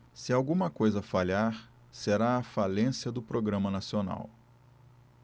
se alguma coisa falhar será a falência do programa nacional